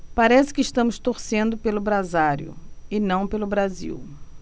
parece que estamos torcendo pelo brasário e não pelo brasil